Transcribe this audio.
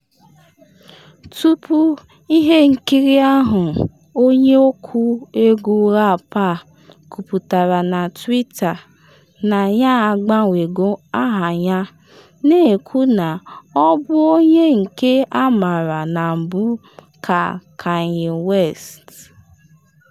Tupu ihe nkiri ahụ onye ọkụ egwu rap a, kwuputara na Twitter na ya agbanwego aha ya, na-ekwu na ọ bụ “onye nke amaara na mbu ka Kanye West.”